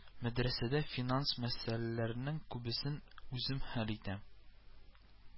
Мәдрәсәдә финанс мәсьәләләрнең күбесен үзем хәл итәм